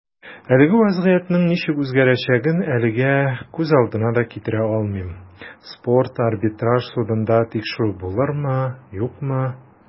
Әлеге вәзгыятьнең ничек үзгәрәчәген әлегә күз алдына да китерә алмыйм - спорт арбитраж судында тикшерү булырмы, юкмы.